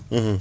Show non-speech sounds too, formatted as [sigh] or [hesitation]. [hesitation] [hesitation]